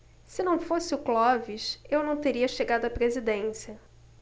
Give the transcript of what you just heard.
se não fosse o clóvis eu não teria chegado à presidência